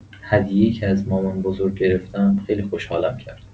هدیه‌ای که از مامان‌بزرگ گرفتم، خیلی خوشحالم کرد.